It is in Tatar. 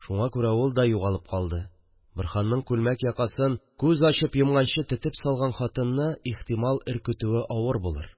Шуңа күрә ул да югалып калды: Борһанның күлмәк якасын күз ачып йомганчы тетеп салган хатынны, ихтимал, өркетүе авыр булыр